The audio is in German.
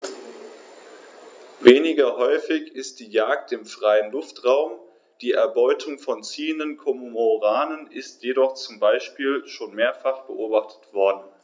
Weniger häufig ist die Jagd im freien Luftraum; die Erbeutung von ziehenden Kormoranen ist jedoch zum Beispiel schon mehrfach beobachtet worden.